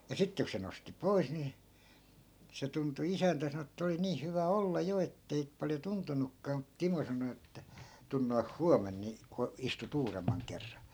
ja sitten kun se nosti pois niin se tuntui isäntä sanoi että oli niin hyvä olla jo että ei paljon tuntunutkaan mutta Timo sanoi että tule noin huomenna niin - istut uudemman kerran